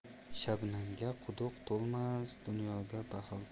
shabnamga quduq to'lmas